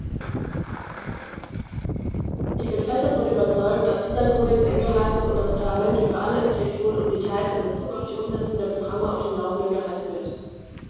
Ich bin fest davon überzeugt, dass dieser Kodex eingehalten und das Parlament über alle Entwicklungen und Details in bezug auf die Umsetzung der Programme auf dem laufenden gehalten wird.